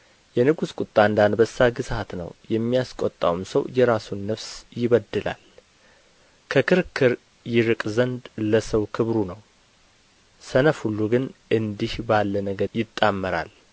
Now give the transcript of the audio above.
የንጉሥ ቍጣ እንደ አንበሳ ግሣት ነው የሚያስቈጣውም ሰው የራሱን ነፍስ ይበድላል ከክርክር ይርቅ ዘንድ ለሰው ክብሩ ነው ሰነፍ ሁሉ ግን እንዲህ ባለ ነገር ይጣመራል